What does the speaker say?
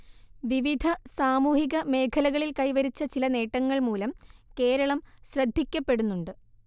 വിവിധ സാമൂഹിക മേഖലകളിൽ കൈവരിച്ച ചില നേട്ടങ്ങൾ മൂലം കേരളം ശ്രദ്ധിക്കപ്പെടുന്നുണ്ട്